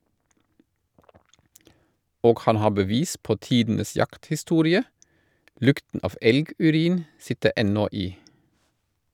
Og han har bevis på tidenes jakthistorie - lukten av elgurin sitter ennå i.